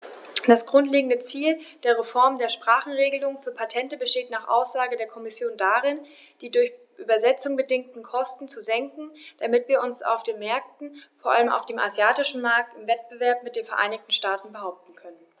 Das grundlegende Ziel der Reform der Sprachenregelung für Patente besteht nach Aussage der Kommission darin, die durch Übersetzungen bedingten Kosten zu senken, damit wir uns auf den Märkten, vor allem auf dem asiatischen Markt, im Wettbewerb mit den Vereinigten Staaten behaupten können.